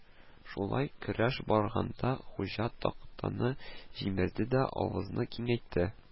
Шулай көрәш барганда, хуҗа тактаны җимерде дә, авызны киңәйтте